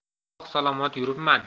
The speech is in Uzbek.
sog' salomat yuribman